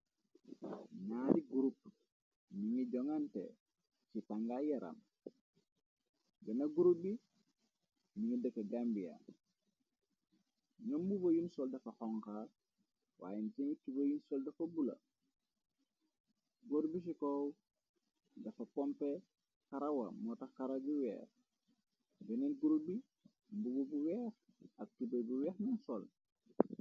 N'aati gurub mi ngi joŋgante ci tàngaay yaram bena gurub bi mi ngi dëkke gambia ñoom mbuba yun sol dafa xonxa waayence ngi tube yun sol dafa bula góor bi ci koow dafa pompe karawa motax kara bi weex beneen gurup bi mbubo bu weex ak tubay bu weex nan sol.